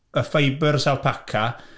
y fibres alpaca...